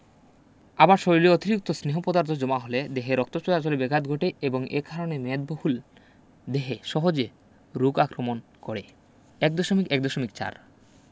আবার শরীরে অতিরিক্ত স্নেহ পদার্থ জমা হলে দেহে রক্ত চলাচলে ব্যাঘাত ঘটে এবং এ কারণে মেদবহুল দেহে সহজে রোগ আক্রমণ করে ১.১.৪